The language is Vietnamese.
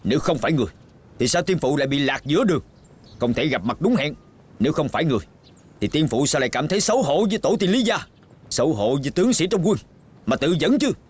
nếu không phải người thì sao tiên phụ lại bị lạc giữa đường không thể gặp mặt đúng hẹn nếu không phải người thì tiên phụ sẽ lại cảm thấy xấu hổ với tổ tiên lý gia xấu hổ với tướng sĩ trong quân mà tự vẫn chứ